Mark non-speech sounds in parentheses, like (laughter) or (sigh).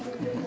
(hesitation) (hesitation)